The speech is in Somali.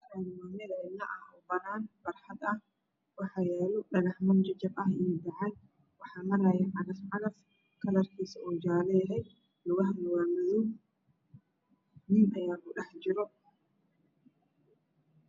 Waa meel cidlo ah Banaan barxad ah waxaa yaalo dhagaxman jajab ah iyo bacaad waxaa maraayo cagafcagaf kalarkoosa uu jaalo yahay lugahana waa madow nin ayaa ku dhex jiro